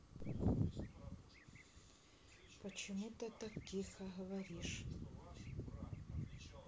почему ты так тихо говоришь